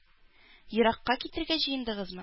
Еракка китәргә җыендыгызмы?